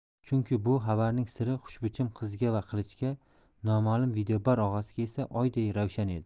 chunki bu xabarning siri xushbichim qizga va qilichga noma'lum videobar og'asiga esa oyday ravshan edi